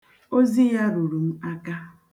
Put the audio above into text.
Ozi ya ruru m aka.